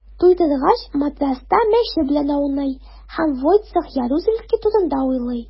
Туйдыргач, матраста мәче белән ауный һәм Войцех Ярузельский турында уйлый.